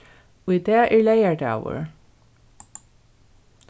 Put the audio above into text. í dag er leygardagur